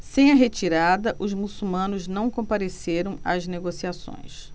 sem a retirada os muçulmanos não compareceram às negociações